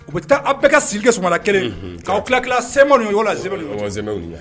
U bɛ taa aw bɛɛ ka sigike suumana kelen'aw tila kila sɛm ninnu'la zbɛnw la